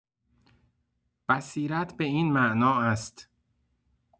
بصیرت به این معنا است.